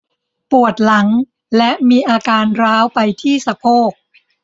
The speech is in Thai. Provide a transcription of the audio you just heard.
ปวดหลังและมีอาการร้าวไปที่สะโพก